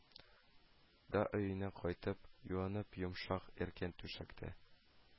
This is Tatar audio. Да өенә кайтып, юынып, йомшак иркен түшәктә